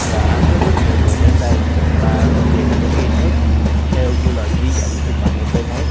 thế giới tâm linh đã có rất nhiều người đến đây và thực hiện những nghi thức theo như lời chỉ dẫn trên